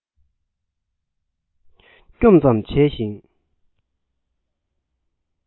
སྐྱོམ ཙམ བྱས ཤིང